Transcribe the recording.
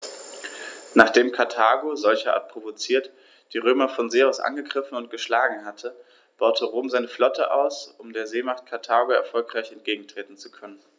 Nachdem Karthago, solcherart provoziert, die Römer von See aus angegriffen und geschlagen hatte, baute Rom seine Flotte aus, um der Seemacht Karthago erfolgreich entgegentreten zu können.